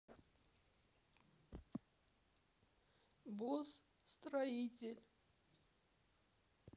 босс строитель